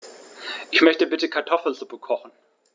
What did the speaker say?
Ich möchte bitte Kartoffelsuppe kochen.